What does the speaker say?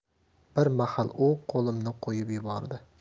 bir mahal u qo'limni qo'yib yubordi